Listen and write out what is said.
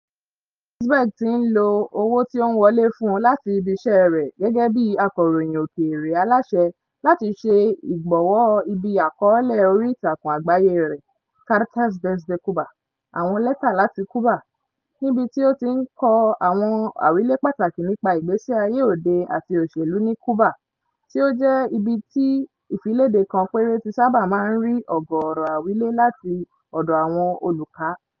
Ravsberg ti ń lo owó tí ó ń wọlé fún un láti ibi iṣẹ́ rẹ̀ gẹ́gẹ́ bíi akọ̀ròyìn òkèèrè aláṣẹ láti ṣe ìgbọ̀wọ́ ibi àkọọ́lẹ̀ oríìtakùn àgbáyé rẹ̀ "Cartas desde Cuba" (àwọn Lẹ́tà láti Cuba), níbi tí ó ti ń kọ àwọn àwílé pàtàkì nípa ìgbésí ayé òde àti òṣèlú ní Cuba, tí ó jẹ́ ibi tí ìfiléde kan péré ti sábà máa ń rí ọ̀gọ̀ọ̀rọ̀ àwílé láti ọ̀dọ̀ àwọn olùka.